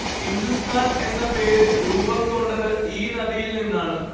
ഹിന്ദുസ്ഥാൻ എന്ന പേര് രൂപം കൊണ്ടത് ഈ നദിയിൽ നിന്നാണ്